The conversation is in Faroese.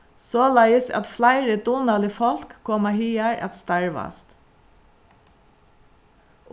soleiðis at fleiri dugnalig fólk koma higar at starvast